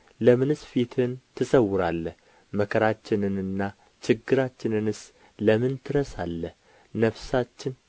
ለምንስ ፊትህን ትሰውራለህ መከራችንንና ችግራችንንስ ለምን ትረሳለህ ነፍሳችን